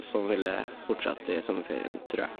Sånn vil det fortsette i sommerferien, trur jeg.